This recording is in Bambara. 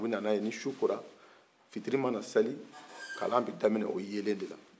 u bɛ na n'a ye fitiri mana seli kalan bɛ daminɛ o yelen de la